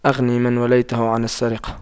أغن من وليته عن السرقة